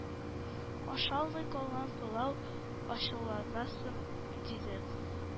Ашалмый калган пылау ачуланмасын, дидем.